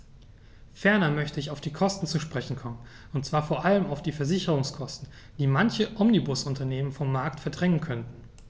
Ferner möchte ich auf die Kosten zu sprechen kommen, und zwar vor allem auf die Versicherungskosten, die manche Omnibusunternehmen vom Markt verdrängen könnten.